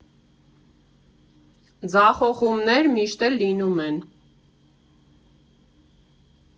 Ձախողումներ միշտ էլ լինում են։